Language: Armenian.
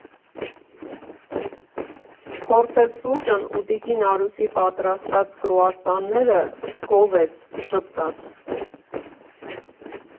Փորձեց սուրճն ու տիկին Արուսի պատրաստած կրուասանները՝ գովեց, ժպտաց։